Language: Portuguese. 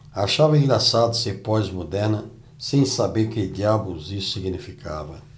achava engraçado ser pós-moderna sem saber que diabos isso significava